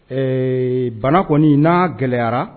Ɛɛ bana kɔni n naa gɛlɛyara